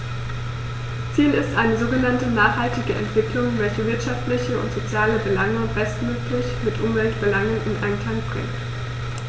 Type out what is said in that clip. Ziel ist eine sogenannte nachhaltige Entwicklung, welche wirtschaftliche und soziale Belange bestmöglich mit Umweltbelangen in Einklang bringt.